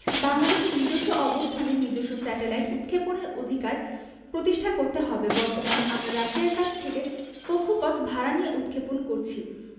বাংলাদেশের নিজস্ব অবস্থানে নিজস্ব স্যাটেলাইট উৎক্ষেপণের অধিকার প্রতিষ্ঠা করতে হবে বর্তমানে আমরা রাশিয়ার কাছ থেকে কক্ষপথ ভাড়া নিয়ে উৎক্ষেপণ করেছি